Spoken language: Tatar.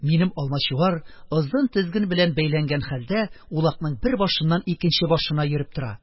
Минем Алмачуар, озын тезген белән бәйләнгән хәлдә, улакның бер башыннан икенче башына йөреп тора.